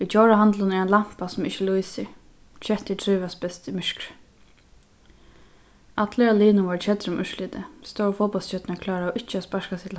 í djórahandlinum er ein lampa sum ikki lýsir kettur trívast best í myrkri allir á liðnum vóru keddir um úrslitið stóru fótbóltsstjørnurnar kláraðu ikki at sparka seg